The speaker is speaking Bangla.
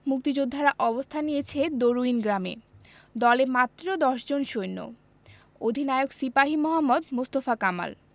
মুক্তিযোদ্ধারা অবস্থান নিয়েছেন দরুইন গ্রামে দলে মাত্র দশজন সৈন্য অধিনায়ক সিপাহি মোহাম্মদ মোস্তফা কামাল